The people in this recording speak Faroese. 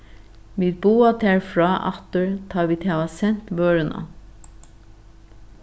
vit boða tær frá aftur tá vit hava sent vøruna